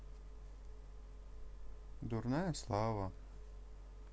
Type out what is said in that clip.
дурная слава